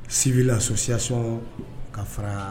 Sibi la soso siyason ka fara